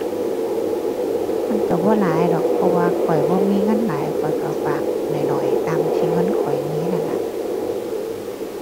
มันก็บ่หลายดอก เพราะว่าข้อยบ่มีเงินหลาย ข้อยก็ฝากน้อยน้อยตามที่เงินข้อยมีนั่นล่ะ